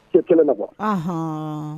I kelen na kuwa